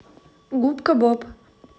губка боб